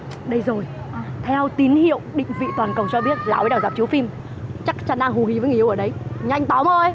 đây rồi theo tín hiệu định vị toàn câu cho biết lão ấy đang ở rạp chiếu phim chắc chắn đang hú hí với người yêu ở đấy nhanh tóm thôi